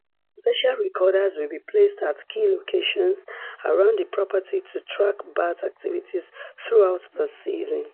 Special recorders will be placed at key locations around the property to track bat activities throughout the season.